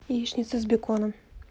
яичница с беконом